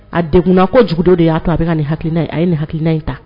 A degkunna a ko jugu de y'a to a bɛ bɛka ka nin halina ye a ye nin hakilina ye ta